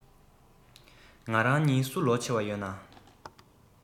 ང རང གཉིས སུ ལོ ཆེ བ ཡོད ན